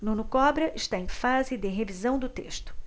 nuno cobra está em fase de revisão do texto